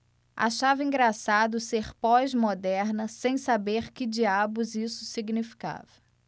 achava engraçado ser pós-moderna sem saber que diabos isso significava